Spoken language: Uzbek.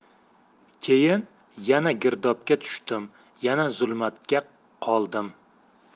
keyin yana girdobga tushdim yana zulmatda qoldim